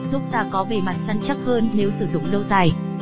giúp da có bề mặt săn chắc hơn nếu sử dụng lâu dài